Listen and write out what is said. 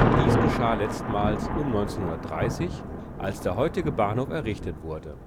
Dies geschah letztmals um 1930, als der heutige Bahnhof errichtet wurde